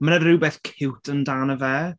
Ma' 'na rhywbeth cute amdano fe.